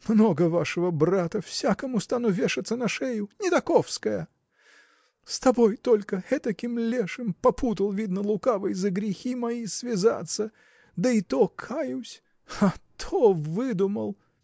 Много вашего брата, всякому стану вешаться на шею: не таковская! С тобой только этаким лешим попутал видно лукавый за грехи мои связаться да и то каюсь. а то выдумал!